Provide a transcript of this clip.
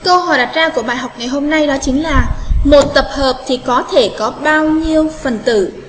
câu hỏi của bài học ngày hôm nay đó chính là một tập hợp thì có thể có bao nhiêu phần tử